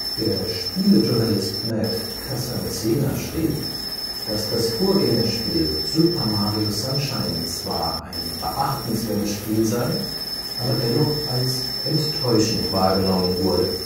Der Spielejournalist Matt Casamassina schrieb, dass das Vorgängerspiel Super Mario Sunshine zwar ein beachtenswertes Spiel sei, aber dennoch als enttäuschend wahrgenommen wurde